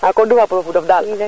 a ko dufa pour o fudof daal